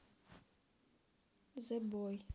the boy